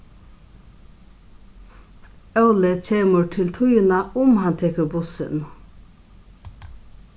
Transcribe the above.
óli kemur til tíðina um hann tekur bussin